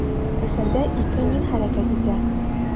Әсәрдә ике «мин» хәрәкәт итә.